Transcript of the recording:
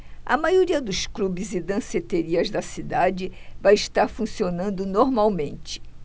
a maioria dos clubes e danceterias da cidade vai estar funcionando normalmente